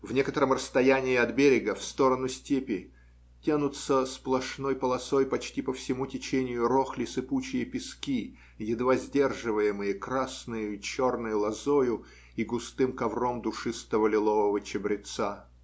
В некотором расстоянии от берега, в сторону степи, тянутся сплошной полосой почти по всему течению Рохли сыпучие пески, едва сдерживаемые красною и черною лозою и густым ковром душистого лилового чабреца.